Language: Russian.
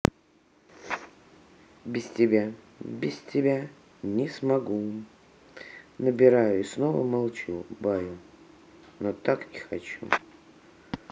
без тебя без тебя не смогу набираю и снова молчу баю но так не хочу